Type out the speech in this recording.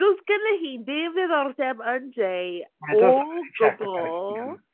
Does gyda hi ddim ddiddordeb yn Jay, o gwbl!